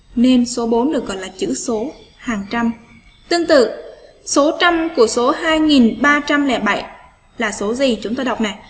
nên số được gọi là chữ số hàng trăm sư tử số trăm của số là số gì chúng tôi đọc